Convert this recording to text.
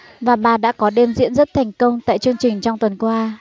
và bà đã có đêm diễn rất thành công tại chương trình trong tuần qua